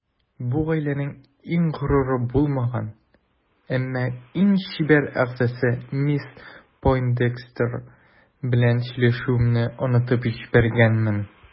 Бу гаиләнең иң горуры булмаган, әмма иң чибәр әгъзасы мисс Пойндекстер белән сөйләшүемне онытып җибәргәнмен.